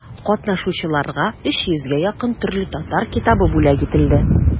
Катнашучыларга өч йөзгә якын төрле татар китабы бүләк ителде.